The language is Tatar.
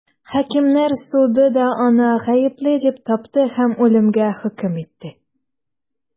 Хакимнәр суды да аны гаепле дип тапты һәм үлемгә хөкем итте.